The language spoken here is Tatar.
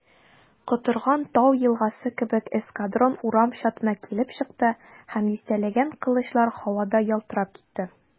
Котырган тау елгасы кебек эскадрон урам чатына килеп чыкты, һәм дистәләгән кылычлар һавада ялтырап китте.